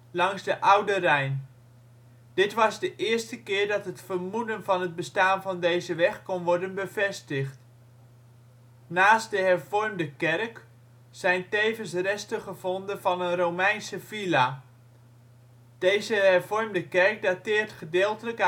langs de Oude Rijn). Dit was de eerste keer dat het vermoeden van het bestaan van deze weg kon worden bevestigd. Naast de Hervormde Kerk (Plein) zijn tevens resten gevonden van een Romeinse villa. (Kolman, 1996). Deze Hervormde kerk dateert gedeeltelijk